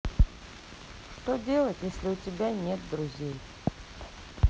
что делать если у тебя нет друзей